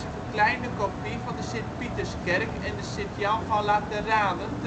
verkleinde kopie van de Sint-Pieterskerk en de Sint-Jan van Lateranen